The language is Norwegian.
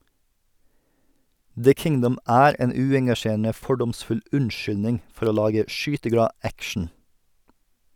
"The Kingdom" er en uengasjerende, fordomsfull unnskyldning for å lage skyteglad action.